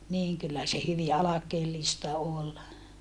niin kyllä se hyvin alkeellista oli